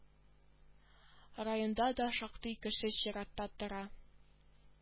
Районда да шактый кеше чиратта тора